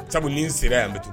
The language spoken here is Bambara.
Sabu ni n sira yan n bɛ tu